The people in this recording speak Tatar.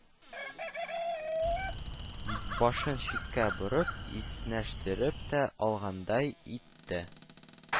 Башын читкә борып, иснәштереп тә алгандай итте